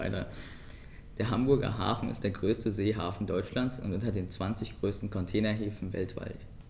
Der Hamburger Hafen ist der größte Seehafen Deutschlands und unter den zwanzig größten Containerhäfen weltweit.